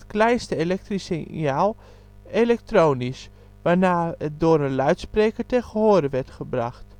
elektrische signaal elektronisch, waarna het door een luidspreker ten gehore werd gebracht